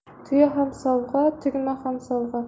tuya ham sovg'a tugma ham sovg'a